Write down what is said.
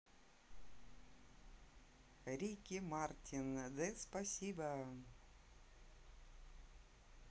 ricky martin the спасибо